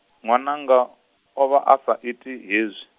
nwananga, o vha a sa iti hezwi.